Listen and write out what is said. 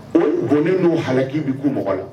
O donnen n'o hakili kki'i bɛ kun mɔgɔ la